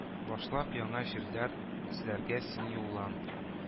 Башлап яңа җирләр эзләргә син юллан